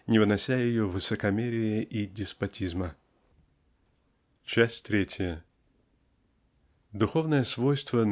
не вынося ее высокомерия и деспотизма. Часть третья. Духовные свойства